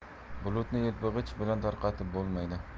bulutni yelpig'ich bilan tarqatib bo'lmaydi